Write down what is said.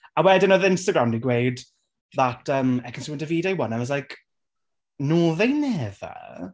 A wedyn oedd Instagram 'di gweud that um, Ekin Su and Davide won, and I was like, "no they never".